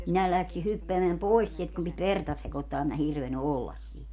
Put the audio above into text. minä lähdin hyppäämään pois sieltä kun piti verta sekoittaa en minä hirvennyt olla siinä